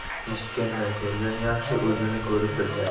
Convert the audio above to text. eshitgandan ko'rgan yaxshi o'zini ko'rib bilgan yaxshi